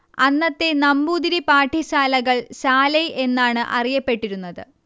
അന്നത്തെ നമ്പൂതിരി പാഠ്യശാലകൾ ശാലൈ എന്നാണ് അറിയപ്പെട്ടിരുന്നത്